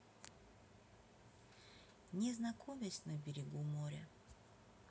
не знакомясь на берегу моря